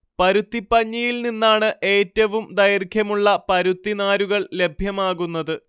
പരുത്തിപ്പഞ്ഞിയിൽ നിന്നാണ് ഏറ്റവും ദൈർഘ്യമുളള പരുത്തി നാരുകൾ ലഭ്യമാകുന്നത്